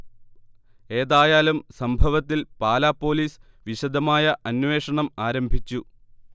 ഏതായാലും സംഭവത്തിൽ പാലാ പോലീസ് വിശദമായ അന്വേഷണം ആരംഭിച്ചു